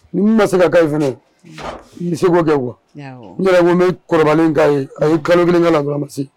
N ma se ka ka ɲi f n seko kɛ wa n yɛrɛ bɛ kɔrɔ ka ye a ye kalo minɛnka